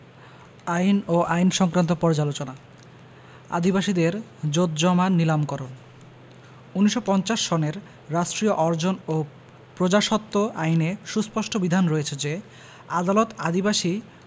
আইন ও আইন সংক্রান্ত পর্যালোচনা আদিবাসীদের জোতজমা নীলামকরণ ১৯৫০ সনের রাষ্ট্রীয় অর্জন ও প্রজাস্বত্ব আইনে সুস্পষ্ট বিধান রয়েছে যে আদালত আদিবাসী